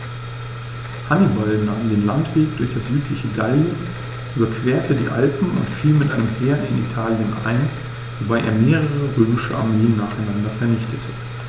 Hannibal nahm den Landweg durch das südliche Gallien, überquerte die Alpen und fiel mit einem Heer in Italien ein, wobei er mehrere römische Armeen nacheinander vernichtete.